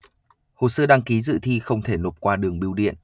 hồ sơ đăng ký dự thi không thể nộp qua đường bưu điện